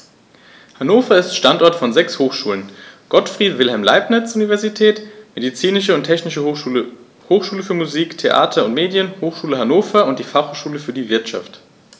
Hannover ist Standort von sechs Hochschulen: Gottfried Wilhelm Leibniz Universität, Medizinische und Tierärztliche Hochschule, Hochschule für Musik, Theater und Medien, Hochschule Hannover und die Fachhochschule für die Wirtschaft.